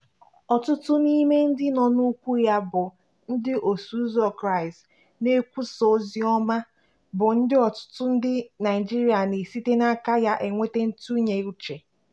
Ọtụtụ n'ime ndị nọ n'ụkwụ ya bụ Ndị Osoụzọ Kraịstị na-ekwusa ozi ọma, bụ ndị ọtụtụ ndị Naịjirịa na-esite n'aka ha enweta ntụnye uche.